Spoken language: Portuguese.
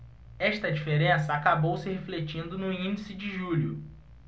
esta diferença acabou se refletindo no índice de julho